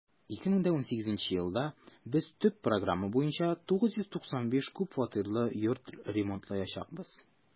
2018 елда без төп программа буенча 995 күп фатирлы йорт ремонтлаячакбыз.